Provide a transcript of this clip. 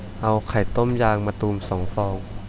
เอาไข่ต้มยางมะตูมสองฟอง